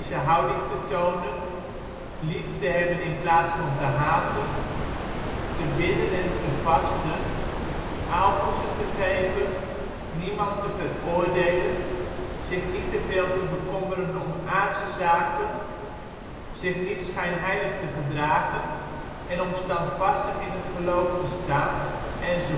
houding te tonen, lief te hebben in plaats van te haten, te bidden en vasten, aalmoezen te geven, iemand niet te veroordelen, zich niet te veel te bekommeren om aardse zaken, zich niet schijnheilig te gedragen en om standvastig in het geloof te staan enz